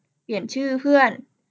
เปลี่ยนชื่อเพื่อน